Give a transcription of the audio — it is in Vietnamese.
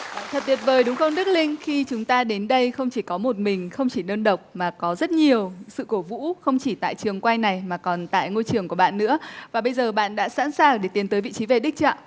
thật tuyệt vời đúng không đức linh khi chúng ta đến đây không chỉ có một mình không chỉ đơn độc mà có rất nhiều sự cổ vũ không chỉ tại trường quay này mà còn tại ngôi trường của bạn nữa và bây giờ bạn đã sẵn sàng để tiến tới vị trí về đích chưa ạ